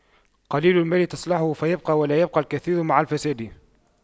قليل المال تصلحه فيبقى ولا يبقى الكثير مع الفساد